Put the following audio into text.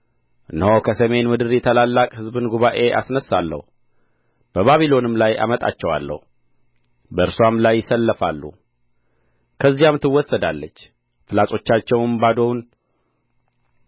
እነሆ ከሰሜን ምድር የታላላቅ አሕዛብን ጉባኤ አስነሣለሁ በባቢሎንም ላይ አመጣቸዋለሁ በእርስዋም ላይ ይሰለፋሉ ከዚያም ትወሰዳለች ፍላጾቻቸውም ባዶውን